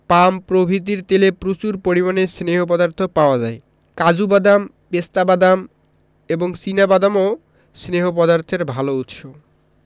পাম প্রভৃতির তেলে প্রচুর পরিমাণে স্নেহ পদার্থ পাওয়া যায় কাজু বাদাম পেস্তা বাদাম এবং চিনা বাদামও স্নেহ পদার্থের ভালো উৎস